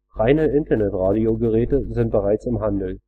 Reine Internetradiogeräte sind bereits im Handel